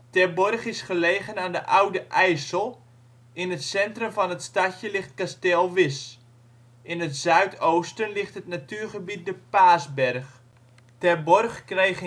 Terborg is gelegen aan de Oude IJssel. In het centrum van het stadje ligt kasteel Wisch. In het zuid-oosten ligt het natuurgebied de Paasberg. Terborg kreeg